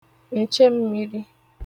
ǹchem̄mīrī